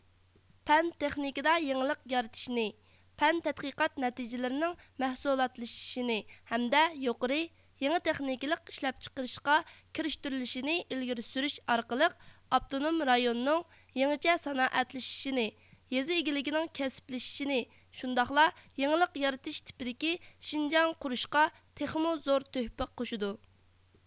پەن تېخنىكىدا يېڭىلىق يارىتىشنى پەن تەتقىقات نەتىجلىرىنىڭ مەھسۇلاتلىشىشىنى ھەمدە يۇقىرى يېڭى تېخنىكىلىق ئىشلەپچىقىرىشقا كىرىشتۈرۈلۈشىنى ئىلگىرى سۈرۈش ئارقىلىق ئاپتونوم رايوننىڭ يېڭىچە سانائەتلىشىشنى يېزا ئىگىلىكىنىڭ كەسىپلىشىشىنى شۇنداقلا يېڭىلىق يارىتىش تىپىدىكى شىنجاڭ قۇرۇشقا تېخىمۇ زور تۆھپە قوشىدۇ